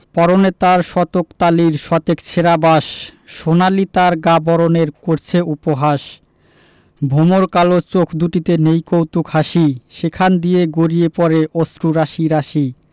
পরনে তার শতেক তালির শতেক ছেঁড়া বাস সোনালি তার গা বরণের করছে উপহাস ভমর কালো চোখ দুটিতে নেই কৌতুক হাসি সেখান দিয়ে গড়িয়ে পড়ে অশ্রু রাশি রাশি